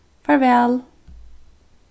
farvæl